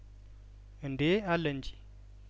እንዴ አለ እንጂ